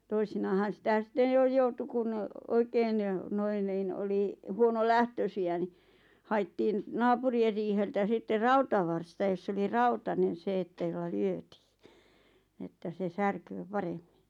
toisinaanhan sitä sitten jo joutui kun oikein noin niin oli huonolähtöisiä niin haettiin naapurien riiheltä sitten rautavarsta jossa oli rautainen se että jolla lyötiin että se särkee paremmin